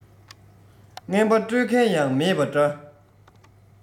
རྔན པ སྤྲོད མཁན ཡང མེད པ འདྲ